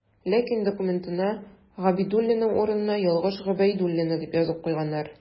Ләкин документына «Габидуллина» урынына ялгыш «Гобәйдуллина» дип язып куйганнар.